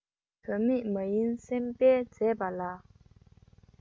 དོན མེད མ ཡིན སེམས དཔའི མཛད པ ལགས